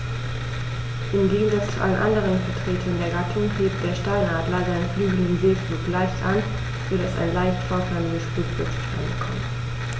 Im Gegensatz zu allen anderen Vertretern der Gattung hebt der Steinadler seine Flügel im Segelflug leicht an, so dass ein leicht V-förmiges Flugbild zustande kommt.